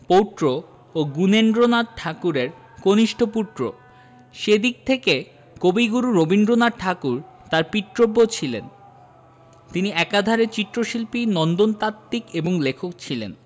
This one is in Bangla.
পৌত্র ও গুণেন্দ্রনাথ ঠাকুরের কনিষ্ঠ পুত্র সে দিক থেকে কবিগুরু রবীন্দ্রনাথ ঠাকুর তার পিতৃব্য ছিলেন তিনি একাধারে চিত্রশিল্পী নন্দনতাত্ত্বিক এবং লেখক ছিলেন